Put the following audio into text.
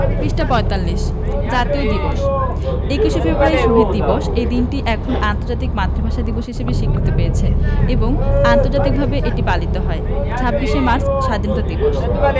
জাতীয় দিবসঃ ২১শে ফেব্রুয়ারি শহীদ দিবস এই দিনটি এখন আন্তর্জাতিক মাতৃভাষা দিবস হিসেবে স্বীকৃতি পেয়েছে এবং আন্তর্জাতিকভাবে এটি পালিত হয় ২৬শে মার্চ স্বাধীনতা দিবস